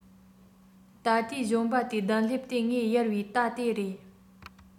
ད ལྟའི གཞོན པ དེའི གདན ལྷེབ དེ ངས གཡར བའི རྟ དེ རེད